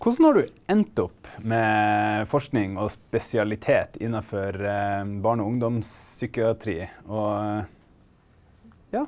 hvordan har du endt opp med forskning og spesialitet innafor barne- og ungdomspsykiatri og ja?